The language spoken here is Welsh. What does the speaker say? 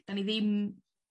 'Dan ni ddim